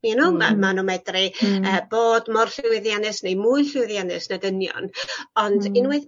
You know ma' ma' n'w medru yy bod mor llwyddiannus neu mwy llwyddiannus na dynion ond unwaith